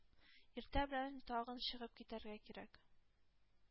Иртә белән тагын чыгып китәргә кирәк.